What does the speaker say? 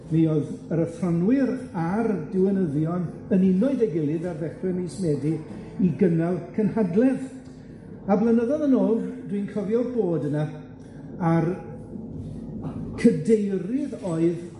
Mi oedd yr athronwyr a'r diwinyddion yn uno 'da'i gilydd ar ddechre mis Medi i gynnal cynhadledd, a blynyddodd yn ôl, dwi'n cofio bod yna, a'r cydeirydd oedd